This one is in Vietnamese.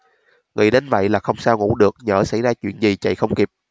nghĩ đến vậy là không sao ngủ được nhỡ xảy ra chuyện gì chạy không kịp